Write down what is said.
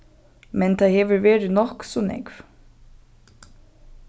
men tað hevur verið nokk so nógv